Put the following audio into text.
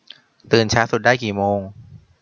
ตื่นช้าสุดได้กี่โมง